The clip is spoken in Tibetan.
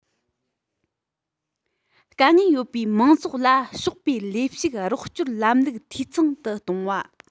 དཀའ ངལ ཡོད པའི མང ཚོགས ལ ཕྱོགས པའི ལས ཞུགས རོགས སྐྱོར ལམ ལུགས འཐུས ཚང དུ གཏོང བ